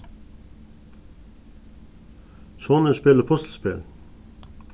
sonurin spælir puslispæl